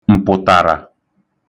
m̀pụ̀tàrà